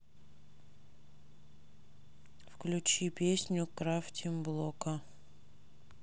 включи песню крафтим блока